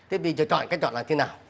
thiết bị cho chọn cách chọn là thế nào